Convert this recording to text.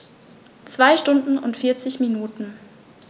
2 Stunden und 40 Minuten